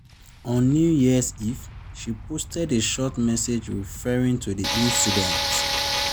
On New Year's Eve, she posted a short message referring to the incident.